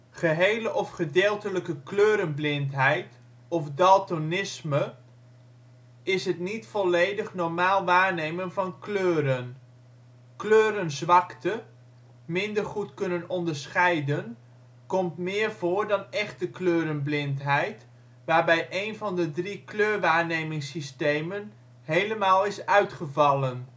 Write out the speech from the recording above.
Gehele of gedeeltelijke kleurenblindheid of daltonisme is het niet volledig normaal waarnemen van kleuren. ' Kleurenzwakte ', minder goed kunnen onderscheiden, komt meer voor dan ' echte ' kleurenblindheid waarbij één van de drie kleurwaarnemingssystemen helemaal is uitgevallen